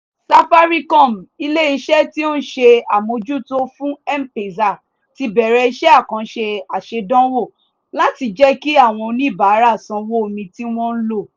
Safaricom, ilé-iṣẹ́ tí ó ń ṣe àmójútó fún M-Pesa, ti ń bẹ̀rẹ̀ iṣẹ́ àkànṣe aṣèdánwò láti jẹ́ kí àwọn oníbàárà sanwó omi tí wọ́n ń lò.